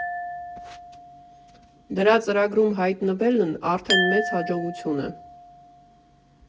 Դրա ծրագրում հայտնվելն արդեն մեծ հաջողություն է։